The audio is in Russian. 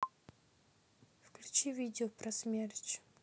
включи видео про смерч